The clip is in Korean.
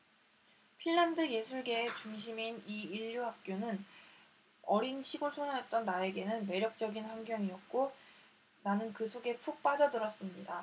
핀란드 예술계의 중심인 이 일류 학교는 어린 시골 소녀였던 나에게는 매력적인 환경이었고 나는 그 속에 푹 빠져 들었습니다